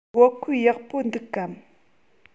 བོད གོས ཡག པོ འདུག གམ